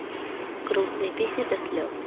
грустные песни до слез